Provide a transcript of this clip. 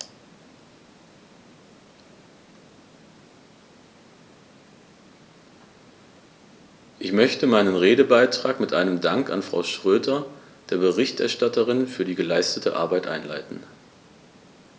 Ich möchte meinen Redebeitrag mit einem Dank an Frau Schroedter, der Berichterstatterin, für die geleistete Arbeit einleiten.